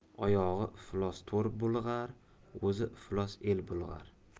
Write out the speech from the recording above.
oyog'i iflos to'r bulg'ar o'zi iflos el bulg'ar